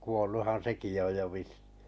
kuolluthan sekin jo on jo vissiin